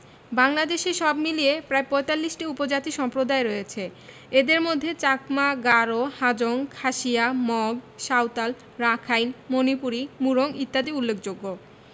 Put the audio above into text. বাংলাদেশে সব মিলিয়ে প্রায় ৪৫টি উপজাতি সম্প্রদায় রয়েছে এদের মধ্যে চাকমা গারো হাজং খাসিয়া মগ সাঁওতাল রাখাইন মণিপুরী মুরং ইত্যাদি উল্লেখযোগ্য